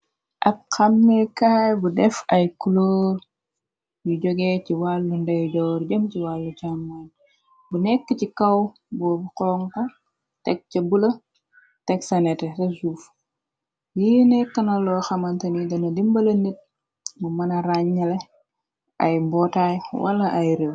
Ab xamikaay bu def ay kloor yu joge ci wàllu ndey joor jëm ci wàllu canmoñ bu nekk ci kaw bu xona teg ca bula tegsanete resuuf yi nekana loo xamanta ni dana dimbala nit mu mëna ràññale ay mbootaay wala ay réew.